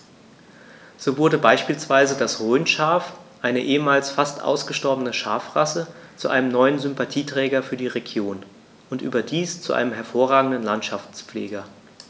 So wurde beispielsweise das Rhönschaf, eine ehemals fast ausgestorbene Schafrasse, zu einem neuen Sympathieträger für die Region – und überdies zu einem hervorragenden Landschaftspfleger.